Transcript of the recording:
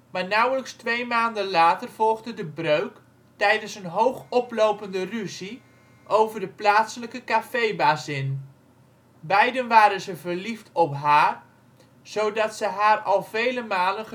maar nauwelijks twee maanden later volgde de breuk, tijdens een hoog oplopende ruzie over de plaatselijke cafébazin. Beiden waren ze verliefd op haar zodat ze haar al vele malen geschilderd